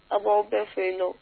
A b'aw bɛɛ fɛ yen nɔ.